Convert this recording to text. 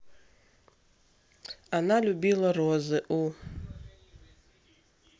она любила розы у